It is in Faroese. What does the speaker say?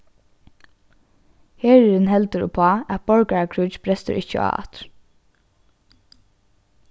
herurin heldur uppá at borgarakríggj brestur ikki á aftur